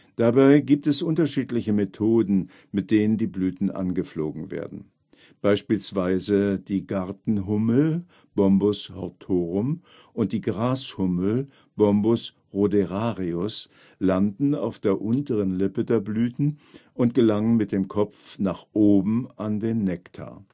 Dabei gibt es unterschiedliche Methoden, mit denen die Blüten angeflogen werden. Beispielsweise die Gartenhummel (Bombus hortorum) und die Grashummel (Bombus ruderarius) landen auf der unteren Lippe der Blüten und gelangen mit dem Kopf nach oben an den Nektar